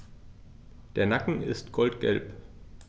Der Nacken ist goldgelb.